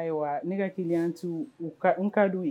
Ayiwa ne ka hakili tɛ u ka ye